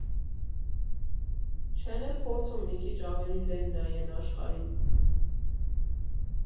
Չեն էլ փորձում մի քիչ ավելի լեն նայեն աշխարհին։